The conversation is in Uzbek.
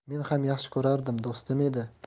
men ham yaxshi ko'rardim do'stim edi